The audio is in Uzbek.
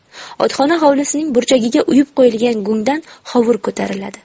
otxona hovlisining burchagiga uyib qo'yilgan go'ngdan hovur ko'tariladi